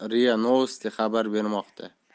novosti xabar bermoqda